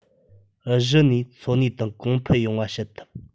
གཞི ནས འཚོ གནས དང གོང འཕེལ ཡོང བ བྱེད ཐུབ